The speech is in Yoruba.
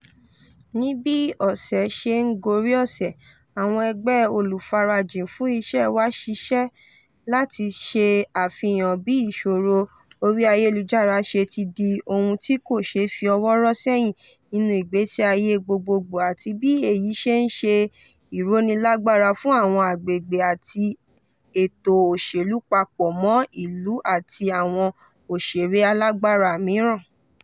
Ní bí ọ̀sẹ̀ ṣe ń gorí ọ̀sẹ̀, àwọn ẹgbẹ́ olùfarajìn fún iṣẹ́ wa ṣiṣẹ́ láti ṣe àfihàn bí ìṣòro orí ayélujára ṣe ti di ohun tí kò ṣeé fi ọwọ́ rọ́ sẹ́yìn nínú ìgbésí ayé gbogbogbò àti bí èyí ṣe ń ṣe ìrónilágbara fún àwọn àgbègbè àti ètò òṣèlú papọ̀ mọ́ ìlú àti àwọn ọ̀ṣèré alágbára mìíràn.